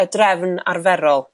y drefn arferol.